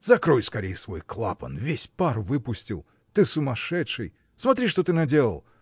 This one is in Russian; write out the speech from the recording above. – закрой скорей свой клапан – весь пар выпустил! Ты сумасшедший! смотри, что ты наделал!